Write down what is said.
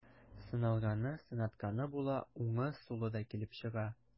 Сыналганы, сынатканы була, уңы, сулы да килеп чыга.